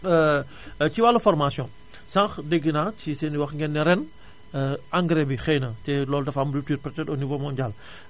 ci wàllu formation sànq dégg naa ci seen i wax ngeen ne ren engrais bi xëy na te loolu dafa am rupture peut être au niveau mondial